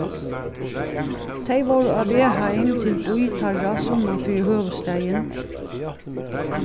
tey vóru á veg heim til bý teirra sunnan fyri høvuðsstaðin